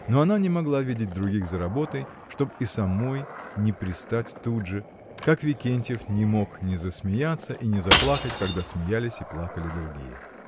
Но она не могла видеть других за работой, чтоб и самой не пристать тут же, как Викентьев не мог не засмеяться и не заплакать, когда смеялись и плакали другие.